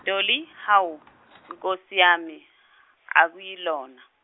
Dolly Hawu Nkosi yami akuyilona.